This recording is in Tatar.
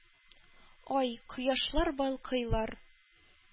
Ай, кояшлар балкыйлар?